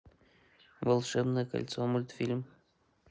волшебное кольцо мультфильм